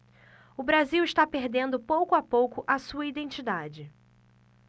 o brasil está perdendo pouco a pouco a sua identidade